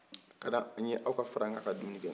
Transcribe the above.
a kadiɲe aw ka fara nka ka dumuni kɛ